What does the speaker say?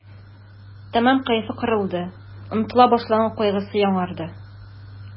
Тәмам кәефе кырылды, онытыла башлаган кайгысы яңарды.